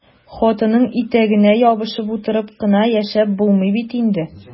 Хатын итәгенә ябышып утырып кына яшәп булмый бит инде!